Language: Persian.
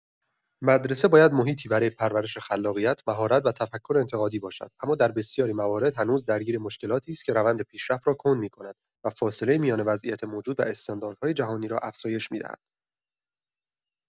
مدرسه باید محیطی برای پرورش خلاقیت، مهارت و تفکر انتقادی باشد، اما در بسیاری موارد هنوز درگیر مشکلاتی است که روند پیشرفت را کند می‌کند و فاصله میان وضعیت موجود و استانداردهای جهانی را افزایش می‌دهد.